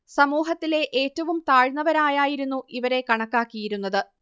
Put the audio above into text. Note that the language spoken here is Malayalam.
സമൂഹത്തിലെ ഏറ്റവും താഴ്ന്നവരായായിരുന്നു ഇവരെ കണക്കാക്കിയിരുന്നത്